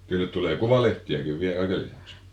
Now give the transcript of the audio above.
teille tulee kuvalehtiäkin vielä kaiken lisäksi